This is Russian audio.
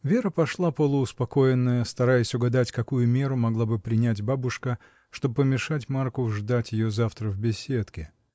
Вера пошла полууспокоенная, стараясь угадать, какую меру могла бы принять бабушка, чтоб помешать Марку ждать ее завтра в беседке.